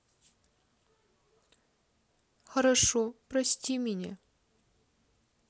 хорошо прости меня